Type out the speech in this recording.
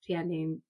rhieni'n